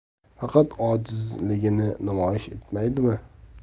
faqat ojizligini namoyish etmaydimi